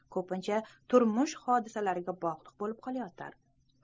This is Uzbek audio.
ko'pincha turmush hodisalariga bog'liq bo'lib qolayotir